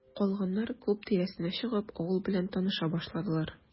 Калганнар, клуб тирәсенә чыгып, авыл белән таныша башладылар.